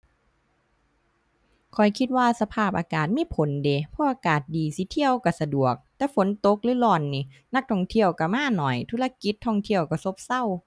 ข้อยคิดว่าสภาพอากาศมีผลเดะ เพราะอากาศดีสิเที่ยวก็สะดวก แต่ฝนตกหรือร้อนนี่ นักท่องเที่ยวก็มาน้อย ธุรกิจท่องเที่ยวก็ซบเซา